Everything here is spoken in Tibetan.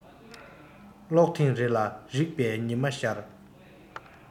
ཀློག ཐེངས རེ ལ རིག པའི ཉི མ ཤར